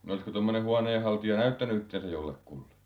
no olisiko tuommoinen huoneenhaltia näyttänyt itseänsä jollekulle